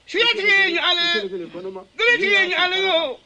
Sunjata ale